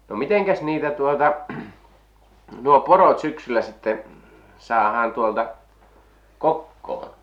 no mitenkäs niitä tuota nuo porot syksyllä sitten saadaan tuolta kokoon